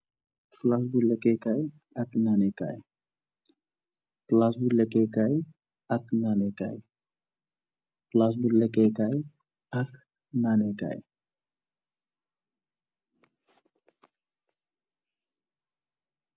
Palasi bu lekkeh kai ak bu nanèkai.